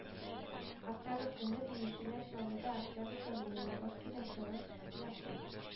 Октябрь көнне биючеләр чаллыда, октябрьдә лениногорскида чыгыш ясый